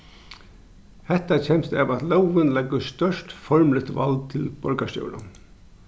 hetta kemst av at lógin leggur stórt formligt vald til borgarstjóran